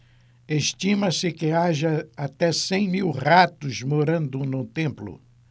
estima-se que haja até cem mil ratos morando no templo